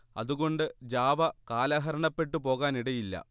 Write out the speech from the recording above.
അതുകൊണ്ട് ജാവ കാലഹരണപ്പെട്ട് പോകാനിടയില്ല